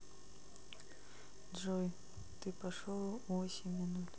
джой ты пошел восемь минут